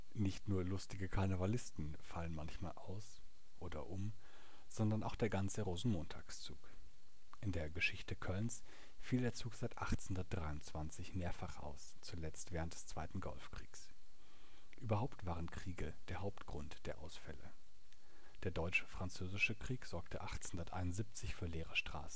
Nicht nur lustige Karnevalisten fallen manchmal aus (oder um), sondern auch der ganze Rosenmontagszug. In der Geschichte Kölns fiel der Zug seit 1823 mehrfach aus, zuletzt während des zweiten Golfkriegs. Überhaupt waren Kriege der Hauptgrund für Ausfälle. Der Deutsch-Französische Krieg sorgte 1871 für leere Straßen